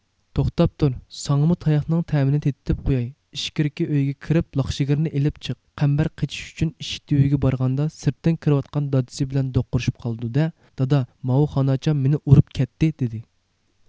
توختاپ تۇر ساڭىمۇ تاياقنىڭ تەمىنى تېتىتىپ قوياي ئىچكىرى ئۆيگە كىرىپ لاخشىگىرنى ئېلىپ چىق قەمبەر قېچىش ئۈچۈن ئىشىك تۈۋىگە بارغاندا سىرتتىن كىرىۋاتقان دادىسى بىلەن دوقۇرۇشۇپ قالىدۇ دە دادا ماۋۇ خاناچام مېنى ئۇرۇپ كەتتى دېدى